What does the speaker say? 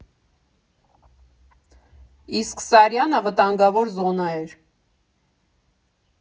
Իսկ Սարյանը վտանգավոր զոնա էր։